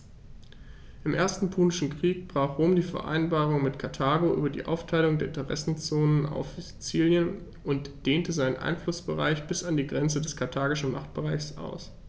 Im Ersten Punischen Krieg brach Rom die Vereinbarung mit Karthago über die Aufteilung der Interessenzonen auf Sizilien und dehnte seinen Einflussbereich bis an die Grenze des karthagischen Machtbereichs aus.